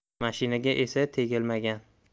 mashinaga esa tegilmagan